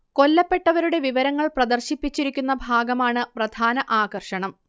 കൊല്ലപ്പെട്ടവരുടെ വിവരങ്ങൾ പ്രദർശിപ്പിച്ചിരിക്കുന്ന ഭാഗമാണ് പ്രധാന ആകർഷണം